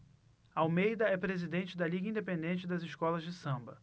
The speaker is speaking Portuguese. almeida é presidente da liga independente das escolas de samba